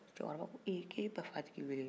cɛkɔrɔba ko eh k'e ba fa tɛ k'i wele